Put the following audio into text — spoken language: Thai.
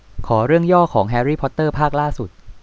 ขอเรื่องย่อของแฮรี่พอตเตอร์ภาคล่าสุด